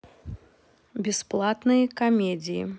бесплатные комедии